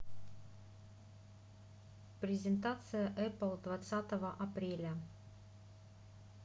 презентация apple двадцатого апреля